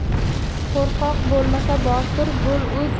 qo'rqoq bo'lma botir bo'l